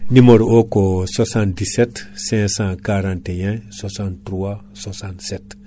numéro o 77 541 63 67